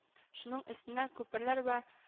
Шуның өстенә, күперләр вә